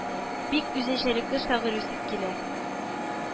Бик үзенчәлекле шагыйрь үсеп килә